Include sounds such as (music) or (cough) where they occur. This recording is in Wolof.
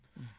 (hesitation) (hesitation)